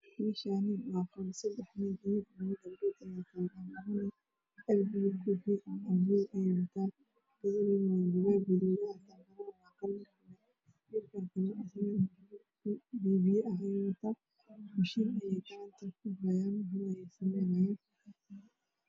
Meeshani qanso dhexdae waxaayo